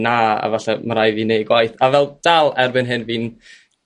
na a falle ma' rai' fi neud gwaith a fel dal erbyn hyn fi'n